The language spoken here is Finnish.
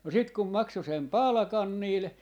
no sitten kun maksoi sen palkan niille